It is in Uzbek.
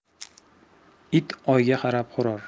it oyga qarab hurar